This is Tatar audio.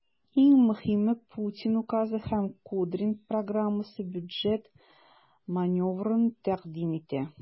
Иң мөһиме, Путин указы һәм Кудрин программасы бюджет маневрын тәкъдим итә.